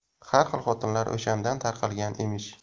har xil xotinlar o'shandan tarqalgan emish